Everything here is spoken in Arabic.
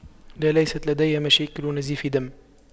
لا ليست لدي مشاكل نزيف دم